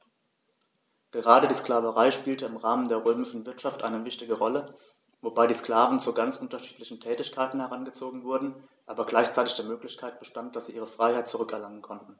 Gerade die Sklaverei spielte im Rahmen der römischen Wirtschaft eine wichtige Rolle, wobei die Sklaven zu ganz unterschiedlichen Tätigkeiten herangezogen wurden, aber gleichzeitig die Möglichkeit bestand, dass sie ihre Freiheit zurück erlangen konnten.